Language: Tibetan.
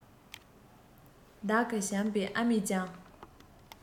བདག གི བྱམས པའི ཨ མས ཀྱང